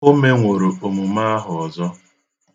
O menworo omume ahụ ọzọ.